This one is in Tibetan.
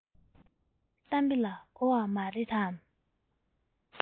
གཏམ དཔེ མ གོ བ རེད དམ